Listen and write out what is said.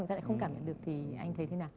ta không cảm nhận được thì anh thấy thế nào